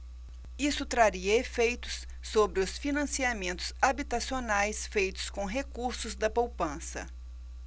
isso traria efeitos sobre os financiamentos habitacionais feitos com recursos da poupança